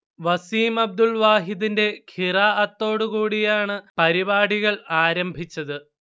വസീംഅബ്ദുൽ വാഹിദിന്റെ ഖിറാഅത്തോട് കൂടിയാണ് പരിപാടികൾ ആരംഭിച്ചത്